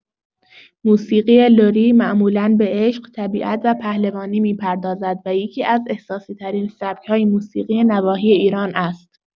موسیقی لری معمولا به عشق، طبیعت و پهلوانی می‌پردازد و یکی‌از احساسی‌ترین سبک‌های موسیقی نواحی ایران است.